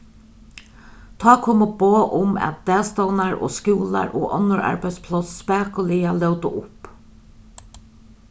tá komu boð um at dagstovnar og skúlar og onnur arbeiðspláss spakuliga lótu upp